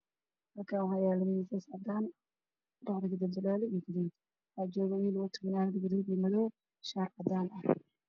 Halkaan waxaa yaalo miisas cadaan waxaa kujiro fanaanado iyo surwaalo , waxaa joogo wiil wato shaati cadaan iyo fanaanad gaduud iyo madow.